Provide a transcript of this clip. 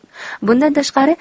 bundan tashqari